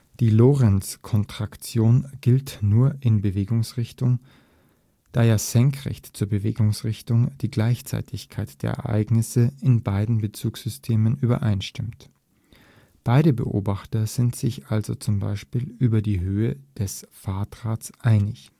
Die Lorentzkontraktion gilt nur in Bewegungsrichtung, da ja senkrecht zur Bewegungsrichtung die Gleichzeitigkeit der Ereignisse in beiden Bezugssystemen übereinstimmt. Beide Beobachter sind sich also z. B. über die Höhe des Fahrdrahtes einig